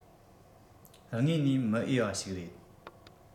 དངོས ནས མི འོས པ ཞིག རེད